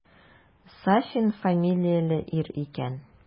Сафин фамилияле ир икән.